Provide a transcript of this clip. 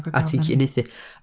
A ti'n gallu uniaethu.